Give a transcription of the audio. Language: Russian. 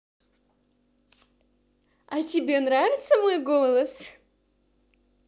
а тебе нравится мой голос